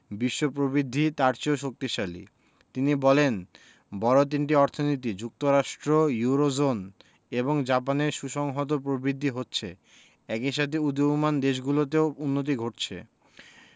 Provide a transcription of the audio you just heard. বিশ্ব প্রবৃদ্ধি তার চেয়েও শক্তিশালী তিনি বলেন বড় তিনটি অর্থনীতি যুক্তরাষ্ট্র ইউরোজোন এবং জাপানের সুসংহত প্রবৃদ্ধি হচ্ছে একই সঙ্গে উদীয়মান দেশগুলোতেও উন্নতি ঘটছে